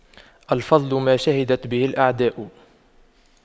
الفضل ما شهدت به الأعداء